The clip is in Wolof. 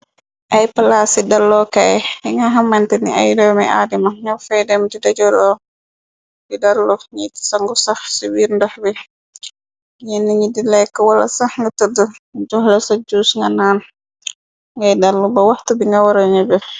Ay palaas yi dalookaay yi nga xamant ni ay doomi aadima ñow fay dem di dejoroo bi dallu ñiit sa ngu sax ci wiir ndox bi ñenni ni di lekk wala sax nga tëdd joxle ca juus nganaan ngay dallu ba waxt bi nga wara nu bi.